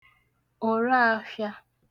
òraāfhị̄ā